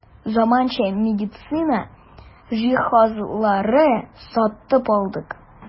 Заманча медицина җиһазлары сатып алдык.